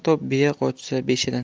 top biya qochsa beshadan